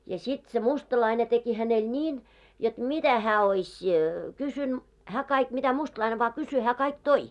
ja sitten se mustalainen teki hänelle niin jotta mitä hän olisi - hän kaikki mitä mustalainen vain kysyi hän kaikki toi